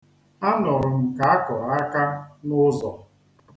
A nụrụ m ka a kụrụ aka n'ụzọ.